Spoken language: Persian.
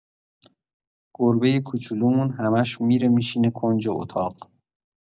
گربه کوچولومون همش می‌ره می‌شینه کنج اتاق.